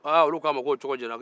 olu ko a ma k'o cogo ɲɛna